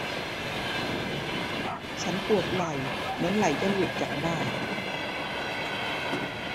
ฉันปวดไหล่เหมือนไหล่จะหลุดจากบ่า